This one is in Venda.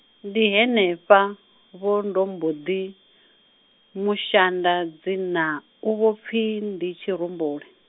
ndi henefha, vho ndo mbo ḓi, musanda dzina, u vho pfi, ndi Tshirumbule.